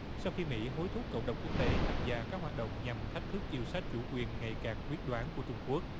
sau khi mỹ hối thúc cộng đồng quốc tế tham gia các hoạt động nhằm thách thức yêu sách chủ quyền ngày càng quyết đoán của trung quốc